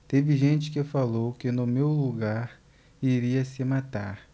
teve gente que falou que no meu lugar iria se matar